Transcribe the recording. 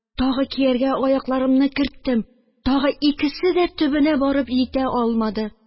Тагы кияргә аякларымны керттем, тагы икесе дә төбенә барып йитә алмады